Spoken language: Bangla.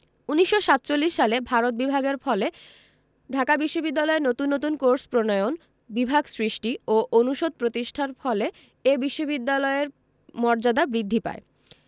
১৯৪৭ সালে ভারত বিভাগের ফলে ঢাকা বিশ্ববিদ্যালয়ে নতুন নতুন কোর্স প্রণয়ন বিভাগ সৃষ্টি ও অনুষদ প্রতিষ্ঠার ফলে এ বিশ্ববিদ্যালয়ের মর্যাদা বৃদ্ধি পায়